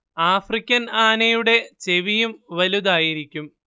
African ആനയുടെ ചെവിയും വലുതായിരിക്കും